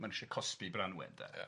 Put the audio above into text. Maen nhw isie cosbi Branwen de. Ia.